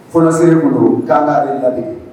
Fɔnansiri kun do k'an k'ale ladege